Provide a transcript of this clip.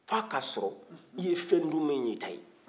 f'a ka sɔrɔ i ye fɛn dun min y'i ta ye